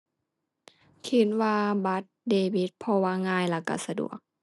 คิดว่าบัตรเดบิตเพราะว่าง่ายแล้วก็สะดวก